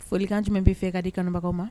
Foli kan jumɛn bɛ fɛ ka di kɔnbagaw ma